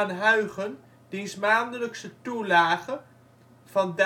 Huygen diens maandelijkse toelage van